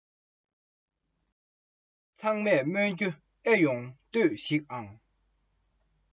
སེམས ལ གད བདར ཡང ནས ཡང དུ རྒྱོབ